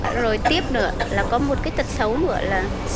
rồi tiếp nửa là có một cái tật xấu nửa là